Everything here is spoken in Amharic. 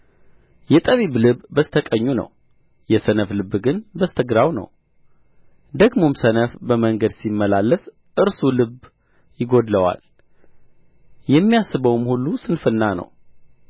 የጠቢብ ልብ በስተ ቀኙ ነው የሰነፍ ልብ ግን በስተ ግራው ነው ደግሞም ሰነፍ በመንገድ ሲመላለስ እርሱ ልብ ይጐድለዋል የሚያስበውም ሁሉ ስንፍና ነው